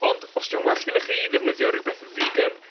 ond os 'di o'n well gynnych chi ddefnyddio rywbeth figan